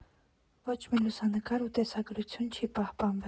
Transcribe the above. Ոչ մի լուսանկար ու տեսագրություն չի պահպանվել։